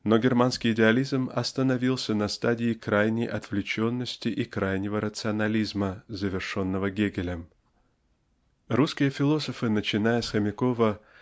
Но германский идеализм остановился на стадии крайней отвлеченности и крайнего рационализма завершенного Гегелем. Русские философы начиная с Хомякова